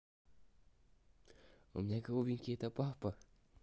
у меня голубенький это папа